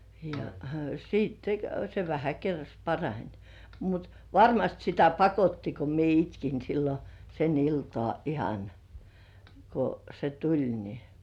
ja sitten se vähän kerrassa parani ja mutta varmasti sitä pakotti kun minä itkin silloin sen iltaa ihan kun se tuli niin